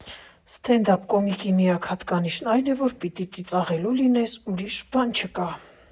Ստենդափ կոմիկի միակ հատկանիշն այն է, որ պիտի ծիծաղալու լինես, ուրիշ բան չկա։